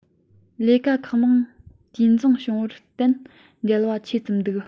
ལས ཀ ཁག མང དུས འཛིངས བྱུང བར བརྟེན བྲེལ བ ཆེ ཙམ འདུག